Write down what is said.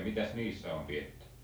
mitäs niissä on pidetty